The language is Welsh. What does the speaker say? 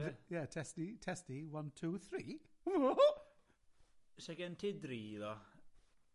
Ie? Ie. Teste test one two three . Se gen ti dri tho